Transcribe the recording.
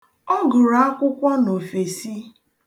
Ọ gụrụ akwụkwọ n'ofesi.